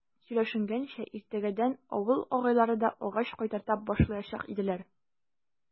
Сөйләшенгәнчә, иртәгәдән авыл агайлары да агач кайтарта башлаячак иделәр.